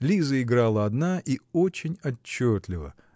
Лиза играла одна и очень отчетливо